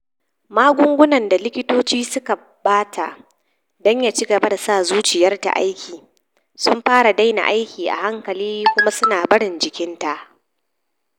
Magungunan da likitoci suka bata don ya cigaba da sa zuciyar ta aiki, sun fara dena aiki a hankali kuma su na barin jikinta.